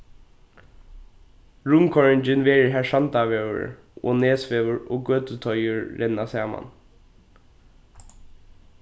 rundkoyringin verður har sandavegur og nesvegur og gøtuteigur renna saman